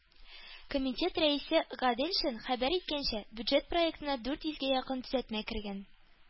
Комитет рәисе Гаделшин хәбәр иткәнчә, бюджет проектына дүрт йөзгә якын төзәтмә кергән.